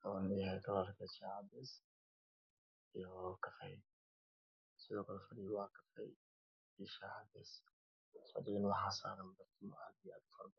kalarkiisu waa shaax cadeys ah iyo kafay. Fafhigu waa kafay iyo cadeys waxaa saaran barkimo aad u faro badan.